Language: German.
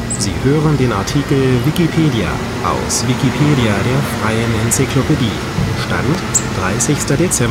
Sie hören den Artikel Wikipedia, aus Wikipedia, der freien Enzyklopädie. Mit dem Stand vom Der Inhalt